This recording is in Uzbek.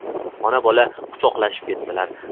ona bola kuchoqlashib ketdilar